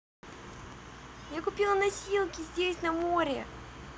я купила носилки здесь на море